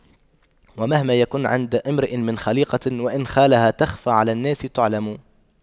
ومهما يكن عند امرئ من خَليقَةٍ وإن خالها تَخْفَى على الناس تُعْلَمِ